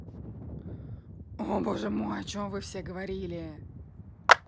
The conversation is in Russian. о боже мой о чем вы все говорили